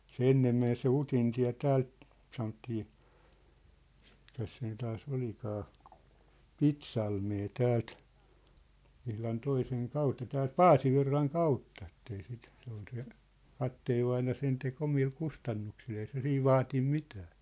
se ennen meni se Utintie täältä sanottiin mikäs siinä taas olikaan Pitsalmeen täältä ihan toisen kautta täältä Paasivirran kautta että ei sitten se oli se kapteenivainaja sen teki omilla kustannuksilla ei se siinä vaatinut mitään